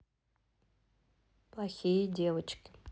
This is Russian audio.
плохие девочки